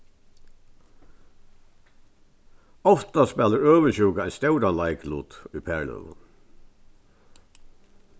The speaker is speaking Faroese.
ofta spælir øvundsjúka ein stóran leiklut í parløgum